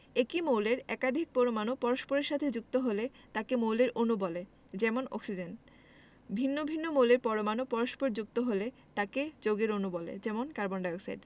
একই মৌলের একাধিক পরমাণু পরস্পরের সাথে যুক্ত হলে তাকে মৌলের অণু বলে যেমনO2 ভিন্ন ভিন্ন মৌলের পরমাণু পরস্পর যুক্ত হলে তাকে যৌগের অণু বলে যেমনCO2